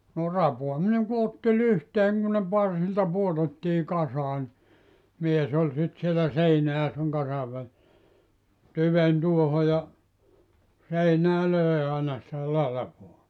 no rapaaminen kun otti lyhteen kun ne parsilta pudotettiin kasaan niin mies oli sitten siellä seinän ja sen kasan välissä tyven tuohon ja seinään löi aina sitä latvaa